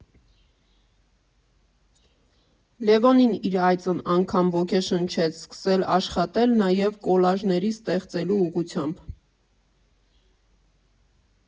Լևոնին իր այցն անգամ ոգեշնչեց սկսել աշխատել նաև կոլաժներ ստեղծելու ուղղությամբ։